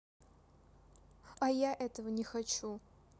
а я этого не хочу